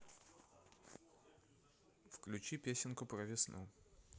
включи песенку про весну